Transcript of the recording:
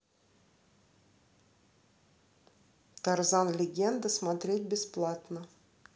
тарзан легенда смотреть бесплатно